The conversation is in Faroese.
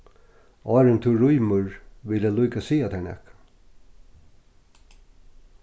áðrenn tú rýmir vil eg líka siga tær nakað